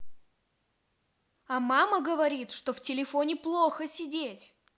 а мама говорит что в телефоне плохо сидеть